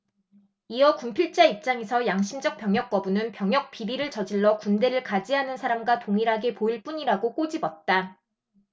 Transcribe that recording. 이어 군필자 입장에서 양심적 병역거부는 병역비리를 저질러 군대를 가지 않은 사람과 동일하게 보일 뿐이라고 꼬집었다